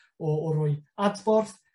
o o roi adborth